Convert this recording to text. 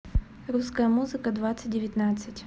русская музыка двадцать девятнадцать